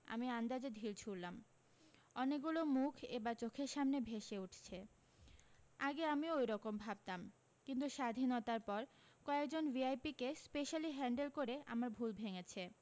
আমি আন্দাজে ঢিল ছুঁড়লাম অনেকগুলো মুখ এবার চোখের সামনে ভেষে উঠছে আগে আমিও ওই রকম ভাবতাম কিন্তু স্বাধীনতার পর কয়েকজন ভিআইপিকে স্পেশালি হ্যান্ডেল করে আমার ভুল ভেঙেছে